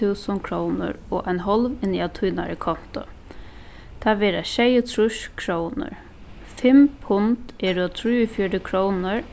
túsund krónur og ein hálv inni á tínari konto tað verða sjeyogtrýss krónur fimm pund eru trýogfjøruti krónur